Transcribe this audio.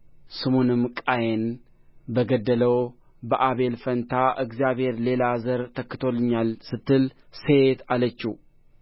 ስሙንም ቃየን በገደለው በአቤል ፋንታ እግዚአብሔር ሌላ ዘር ተክቶልኛል ስትል ሴት አለችው